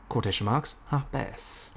quotation marks hapus.